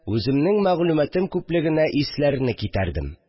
Үземнең мәгълүматым күплегенә исләрене китәрдем